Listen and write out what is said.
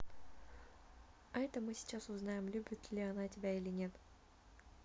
а это мы сейчас узнаем любит ли она тебя или нет